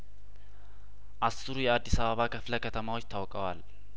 አስሩ የአዲስ አበባ ከፍለከተማዎች ታውቀዋል